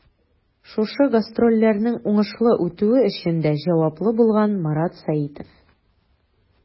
Шушы гастрольләрнең уңышлы үтүе өчен дә җаваплы булган Марат Сәитов.